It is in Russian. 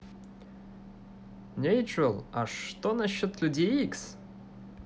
а что насчет людей икс